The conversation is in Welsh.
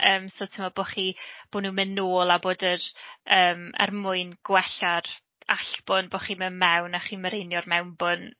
Yym so timod, bod chi bod nhw'n mynd nôl a bod yr yym... er mwyn gwella'r allbwn bo' chi'n mynd mewn a chi'n mirenio'r mewnbwn.